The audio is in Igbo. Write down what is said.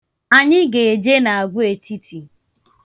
Anyị ga-eje n'agwaetiti.